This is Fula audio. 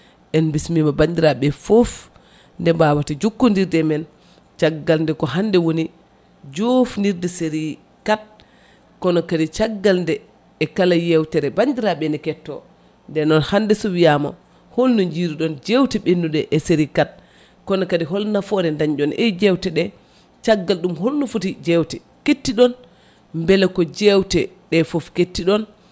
en bismima bandiraɓe foof nde mbawata jokkodirde e men caggal nde ko hande woni jofnirde série 4 kono caggal nde e kala yrxtere bandirɓe ne jkettio hande so wiyama holno jiiruɗon jewte ɓennuɗe série 3kono kadi holni naforre dañɗon e jewteɗe caggal ɗum holno foti jewte kettiɗon beele ko jewte ɗe foof kettiɗon